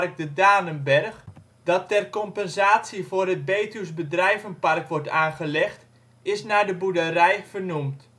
De Danenberg, dat ter compensatie voor het Betuws Bedrijvenpark wordt aangelegd, is naar de boerderij vernoemd